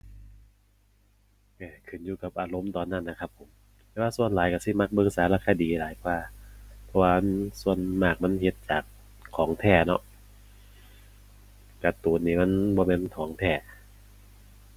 ก็ขึ้นอยู่กับอารมณ์ตอนนั้นล่ะครับผม แต่ว่าส่วนหลายก็สิมักเบิ่งสารคดีหลายกว่า เพราะว่ามันส่วนมากมันเฮ็ดจากของแท้เนาะ การ์ตูนนี่มันบ่แม่นของแท้